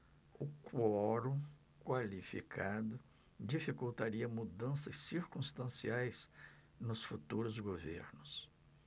o quorum qualificado dificultaria mudanças circunstanciais nos futuros governos